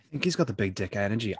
I think he's got the big dick energy.